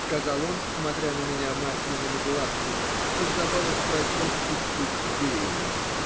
сказал он, смотря на меня масляными глазками, и вдобавок прочел стишки Гейне.